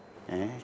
thế